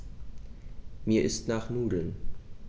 Mir ist nach Nudeln.